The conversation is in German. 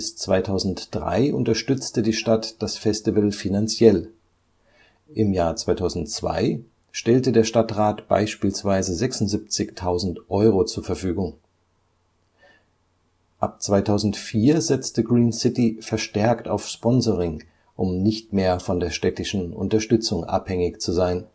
2003 unterstützte die Stadt das Festival finanziell. Im Jahr 2002 stellte der Stadtrat beispielsweise 76.000 Euro zur Verfügung. Ab 2004 setzte Green City verstärkt auf Sponsoring, um nicht mehr von der städtischen Unterstützung abhängig zu sein